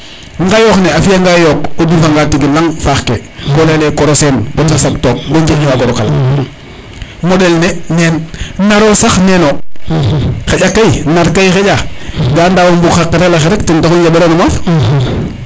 ngayox ne o fiya nga yook o dufa nga tig laŋ faaxke ko leyele korsen bata sag toog bo ceeƴ ne wago roka laŋ moɗel ne neen naro sax neno xaƴa kay nar kay xaƴa ka ndawo mbug xa keralaxe rek ten taxu njambirano maaf